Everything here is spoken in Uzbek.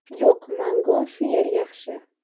yo'q mango shu yer yaxshi